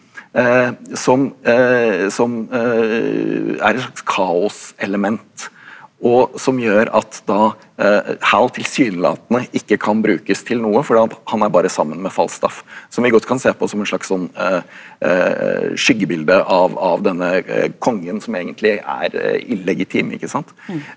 som som er et slags kaoselement og som gjør at da Hal tilsynelatende ikke kan brukes til noe fordi at han er bare sammen med Falstaff som vi godt kan se på som en slags sånn skyggebilde av av denne kongen som egentlig er illegitim ikke sant.